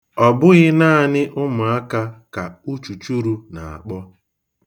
Ọ bụghị naanị ụmụaka ka uchuchuru na-akpo.